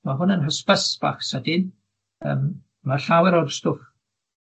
Ma' hwn yn hysbys bach sydyn yym ma' llawer o'r stwff